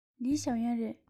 ལིའི ཞའོ ཡན རེད